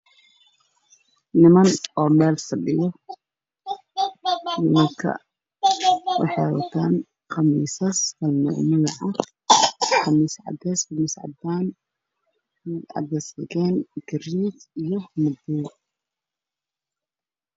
Niman oo meel fadhiyo waxey wataan qamiisyo